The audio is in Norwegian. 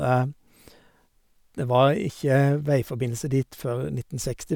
Det var ikke veiforbindelse dit før nitten seksti.